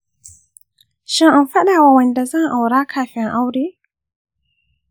shin in faɗa wa wanda zan aura kafin aure?